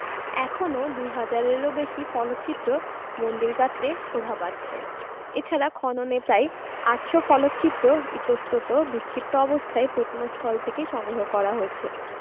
এখনও ২হাজার এরও বেশি ফলকচিত্র মন্দির গাত্রে শোভা পাচ্ছে এছাড়া খননে প্রায় ৮০০ ফলকচিত্র ইতস্তত বিক্ষিপ্ত অবস্থায় প্রত্নস্থল থেকে সংগ্রহ করা হয়েছে